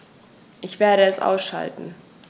Ich werde es ausschalten